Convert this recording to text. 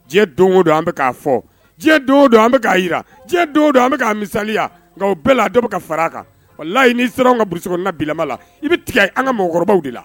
Don don an k fɔ don an k yi don an misaliya bɛɛ la a ka fara kan layii sera ka la i bɛ tigɛ an ka mɔgɔkɔrɔba de la